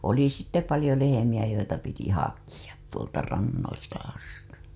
oli sitten paljon lehmiä joita piti hakea tuolta rannoilta asti